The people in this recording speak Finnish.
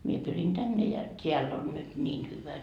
minä pyrin tänne ja täällä on nyt niin hyvä